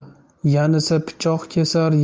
yanisa pichoq kesar